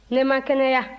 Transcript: ne ma kɛnɛya